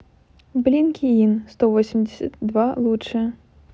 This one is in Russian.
блинки инн сто восемьдесят два лучшее